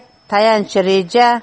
tayanch reja